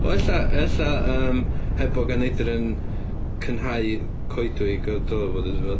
Wel, ella ella yym hebog a neidr yn cynhau coedwig dyla fo wedi bod.